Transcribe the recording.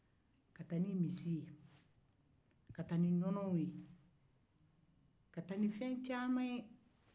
ka taa ni misi ye ka taa ni nɔnɔ ye ka taa ni fɛn cama ye